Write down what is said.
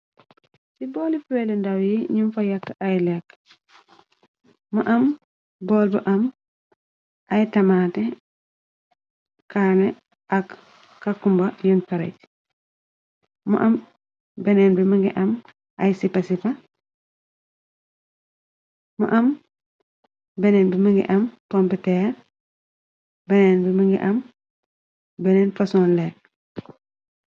Ci booli fleli ndaw yi ñum fa yakke ay lekk mo am bool bu am ay tamaate kaane ak kakkumba un parije mo am benneen bi mëngi am ay sipasipa mo am benneen bi mëngi am pomputeer beneen bi mëngi am yeneen fason lekke.